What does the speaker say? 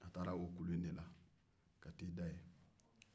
a taara o kulu in de la